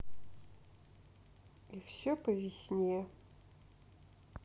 и все по весне